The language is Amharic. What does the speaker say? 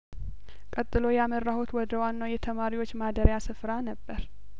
ቀጥሎ ያመራሁት ወደዋናው የተማሪዎች ማደሪያስፍራ ነበር